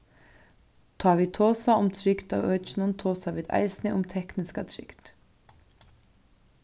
tá vit tosa um trygd á økinum tosa vit eisini um tekniska trygd